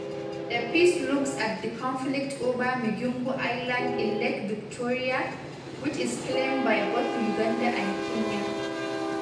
The piece looks at the conflict over Migingo island in Lake Victoria, which is claimed by both Uganda and Kenya.